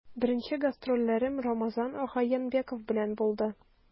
Беренче гастрольләрем Рамазан ага Янбәков белән булды.